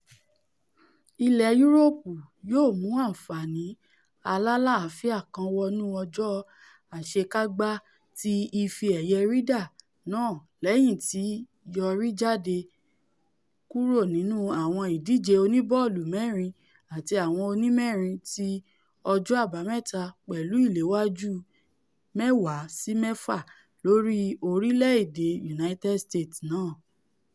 Ilẹ̀ Yúróòpù yóò mú ànfààni alálàáfíà kan wọnú ọjọ́ àṣèkágbá ti Ife-ẹ̀yẹ Ryder náà lẹ́yìn tí yọrí jàde kúrò nínú àwọn ìdíje oníbọ́ọ̀lù-mẹ́rin àti àwọn onímẹrin ti ọjọ Àbámẹ́ta pẹ̀lú ìléwájú 10-6 lórí orílẹ̀-èdè United States náà.